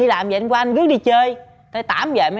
làm gì em qua em rước đi chơi tám giờ em